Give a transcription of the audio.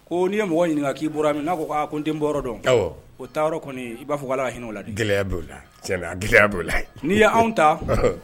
Ko n'i ye mɔgɔ ɲini k'i bɔra min ko a n den bɔra dɔn o taa kɔni i b'a fɔ k ala hinɛ o la gɛlɛya b'o la gɛlɛya b'o la n'i y' anw ta